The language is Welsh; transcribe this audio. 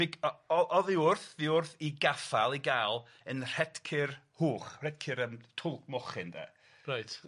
big- o- o- oddi wrth, 'ddi wrth 'i gaffael 'i ga'l yn rhedcyr hwch, rhedcyr yn twlc mochyn de. Reit.